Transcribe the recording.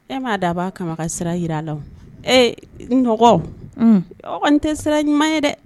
E ma dabama ka sira yira wu . E n dɔgɔ un o kɔni te sira ɲuman ye dɛ!